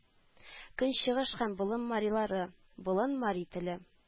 Көнчыгыш һәм болын марилары болын мари теле